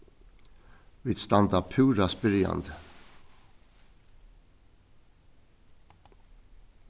vit standa púra spyrjandi